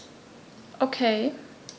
Okay.